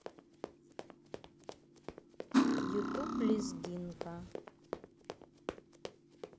ютуб лезгинка